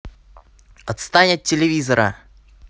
отстань от телевизора